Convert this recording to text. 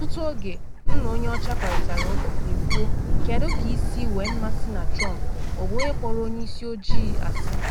“Ọtụtụ oge m na onye ọcha kparịtara ụka, ha ekwuo: “Kedu ka isi nwee mmasị na Trump, ọ bụ onye kpọrọ onye isi ojii asị?”